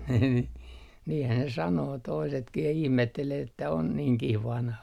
niin niinhän ne sanoo toisetkin ja ihmettelee että on niinkin vanha